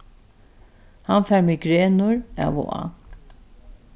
hann fær migrenur av og á